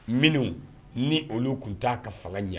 Minnu ni olu tun'a ka fanga ɲɛ